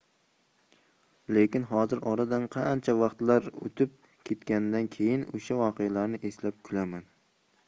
lekin hozir oradan qancha vaqtlar o'tib ketgandan keyin o'sha voqealarni eslab kulaman